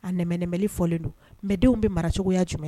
A nɛɛnɛmɛli fɔlen don mɛdenw bɛ maracogoya jumɛn